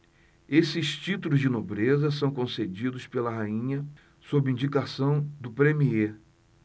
esses títulos de nobreza são concedidos pela rainha sob indicação do premiê